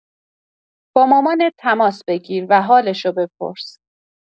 با مامانت تماس بگیر و حالشو بپرس